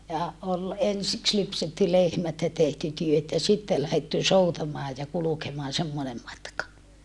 ja oli ensiksi lypsetty lehmät ja tehty työt ja sitten lähdetty soutamaan ja kulkemaan semmoinen matka